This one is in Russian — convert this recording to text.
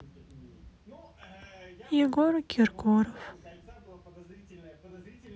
егор киркоров